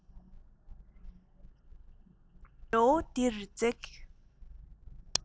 རི བོ འདིར འཛེགས